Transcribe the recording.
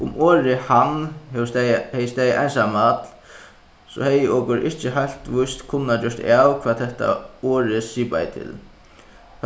um orðið hann hevur staðið hevði staðið so hevði okur ikki heilt víst kunnað gjørt av hvat hetta orðið sipaði til